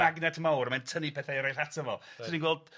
...magnet mawr a mae'n tynnu pethau eraill ato fo . Reit. Ti 'di gweld